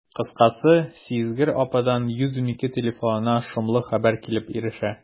Кыскасы, сизгер ападан «112» телефонына шомлы хәбәр килеп ирешә.